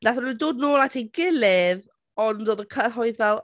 Wnaethon nhw dod nôl at ei gilydd, ond oedd y cyhoedd fel...